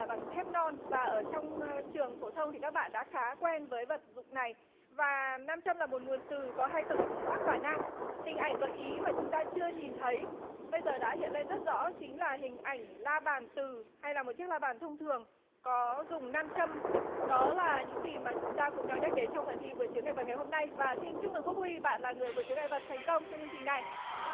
bằng thép non và ở trong trường phổ thông thì các bạn đã khá quen với vật dụng này và nam châm là một nguồn từ có hai cực bắc và nam hình ảnh gợi ý mà chúng ta chưa nhìn thấy bây giờ đã hiện lên rất rõ chính là hình ảnh la bàn từ hay là một chiếc la bàn thông thường có dùng nam châm đó là những gì mà chúng ta cùng nhau nhắc đến trong phần thi vượt chướng ngại vật ngày hôm nay và xin chúc mừng quốc huy bạn là người của chướng ngại vật thành công trong chương trình này